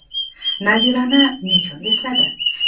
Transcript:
nazirani nechun esladi